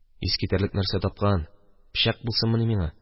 Искитәрлек нәрсә тапкан, пычак булсынмыни миңа?